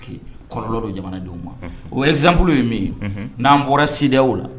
Kɔlɔlɔ don jamanadenw ma, unhun, o exemple ye min ye, n'an bɔra CEDEAO la